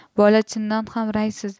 bola chindan ham rangsiz